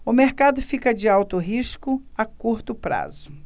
o mercado fica de alto risco a curto prazo